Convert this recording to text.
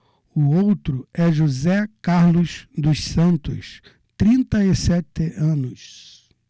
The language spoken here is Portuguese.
o outro é josé carlos dos santos trinta e sete anos